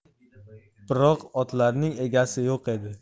biroq otlarning egasi yo'q edi